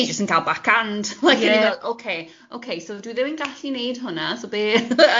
Fyswn i just yn cael back-hand... Ie ...like o'n i fel ocê, ocê so dwi ddim yn gallu 'neud hwnna so be...